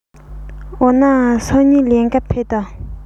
འོ ན སང ཉིན ལེན ག ཕེབས དང